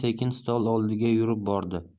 sekin stol oldiga yurib bordi